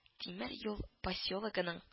Тимер юл поселогының